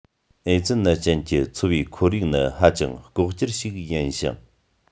ཨེ ཙི ནད ཅན གྱི འཚོ བའི ཁོར ཡུག ནི ཧ ཅང ལྐོག གྱུར ཞིག ཡིན ཞིང